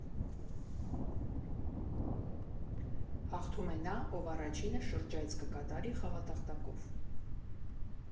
Հաղթում է նա, ով առաջինը շրջայց կկատարի խաղատախտակով։